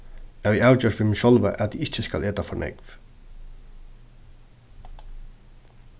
eg havi avgjørt við meg sjálva at eg ikki skal eta for nógv